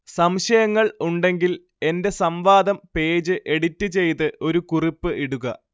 സംശയങ്ങൾ ഉണ്ടെങ്കിൽ എന്റെ സംവാദം പേജ് എഡിറ്റ് ചെയ്ത് ഒരു കുറിപ്പ് ഇടുക